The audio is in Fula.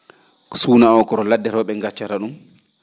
suuna o ko ro ladde ro ?e gaccara ?um